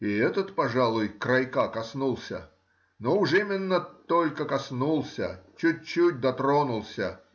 и этот, пожалуй, крайка коснулся, но уж именно только коснулся — чуть-чуть дотронулся